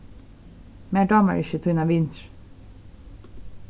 mær dámar ikki tínar vinir